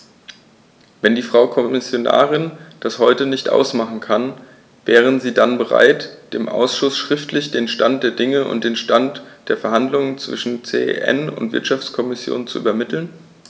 Wenn die Frau Kommissarin das heute nicht machen kann, wäre sie dann bereit, dem Ausschuss schriftlich den Stand der Dinge und den Stand der Verhandlungen zwischen CEN und Wirtschaftskommission zu übermitteln?